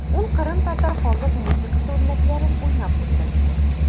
Ул кырымтатар халык музыкасы үрнәкләрен уйнап күрсәтте.